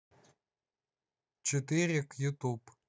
четыре к ютуб